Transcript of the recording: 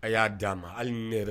A y'a di'a ma hali mi